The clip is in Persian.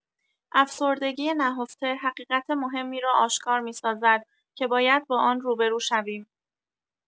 افسردگی نهفته حقیقت مهمی را آشکار می‌سازد که باید با آن روبه‌رو شویم.